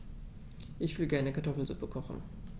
Ich will gerne Kartoffelsuppe kochen.